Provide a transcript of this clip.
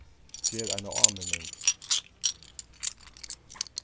ger eina áminning